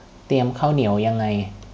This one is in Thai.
เตรียมข้าวเหนียวยังไง